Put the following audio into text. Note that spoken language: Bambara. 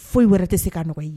Foyi wɛrɛ tɛ se ka nɔgɔ ye